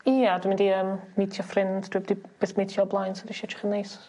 Ia dwi mynd i yym mîtio ffrind dwi 'eb 'di byth mîtio o blaen so dwi isio edrych yn neis.